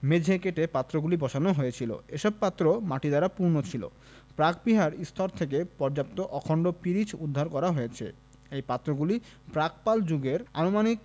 মেঝে কেটে পাত্রগুলি বসানো হয়েছিল এসব পাত্র মাটি দ্বারা পূর্ণ ছিল প্রাকবিহার স্তর থেকে পর্যাপ্ত অখন্ড পিরিচ উদ্ধার করা হয়েছে এ পাত্রগুলি প্রাক পাল যুগের আনুমানিক